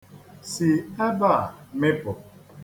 Si ebe a mịpụ.